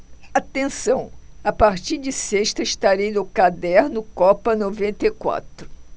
atenção a partir de sexta estarei no caderno copa noventa e quatro